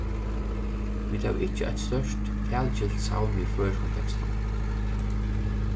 vit hava ikki eitt stórt talgilt savn við føroyskum tekstum